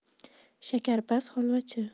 shakarpaz holvachi